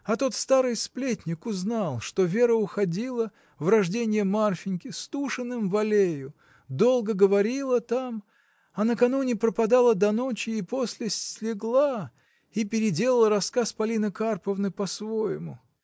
А тот старый сплетник узнал, что Вера уходила в рожденье Марфиньки с Тушиным в аллею, долго говорила там, а накануне пропадала до ночи и после слегла, — и переделал рассказ Полины Карповны по-своему.